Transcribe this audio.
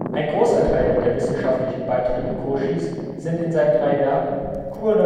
Ein großer Teil der wissenschaftlichen Beiträge Cauchys sind in seinen drei Werken Cours